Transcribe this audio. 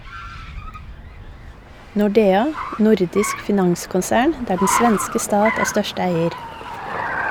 Nordea, nordisk finanskonsern, der den svenske stat er største eier.